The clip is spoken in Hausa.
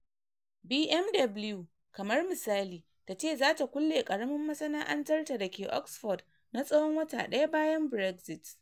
BMW, kamar misali, ta ce zata kulle karamin masana’antar ta da ke Oxford na tsawon wata daya bayan Brexit.